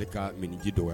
Ale ka miniji dɔ ye